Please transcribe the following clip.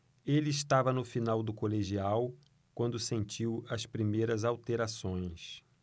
ele estava no final do colegial quando sentiu as primeiras alterações